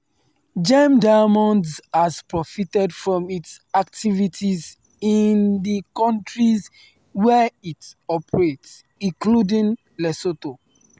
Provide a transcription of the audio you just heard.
Gem Diamonds has profited from its activities in the countries where it operates, including Lesotho.